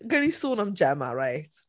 Gawn ni sôn am Gemma, reit.